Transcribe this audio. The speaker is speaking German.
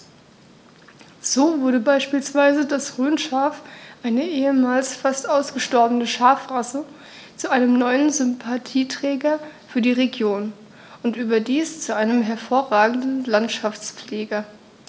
So wurde beispielsweise das Rhönschaf, eine ehemals fast ausgestorbene Schafrasse, zu einem neuen Sympathieträger für die Region – und überdies zu einem hervorragenden Landschaftspfleger.